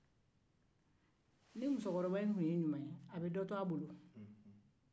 ni musokɔrɔba in tun ye ɲuman ye a bɛ dɔ to a bolo